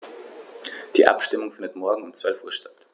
Die Abstimmung findet morgen um 12.00 Uhr statt.